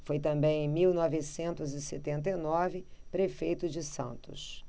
foi também em mil novecentos e setenta e nove prefeito de santos